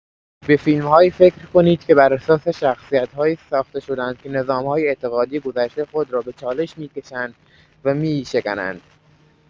به فیلم‌هایی فکر کنید که بر اساس شخصیت‌هایی ساخته شده‌اند که نظام‌های اعتقادی گذشته خود را به چالش می‌کشند و می‌شکنند.